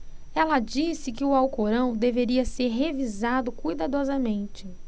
ela disse que o alcorão deveria ser revisado cuidadosamente